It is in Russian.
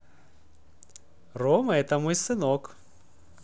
рома это мой сынок